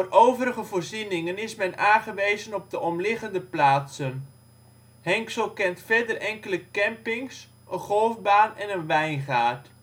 overige voorzieningen is men aangewezen op de omliggende plaatsen. Henxel kent verder enkele campings, een golfbaan en een wijngaard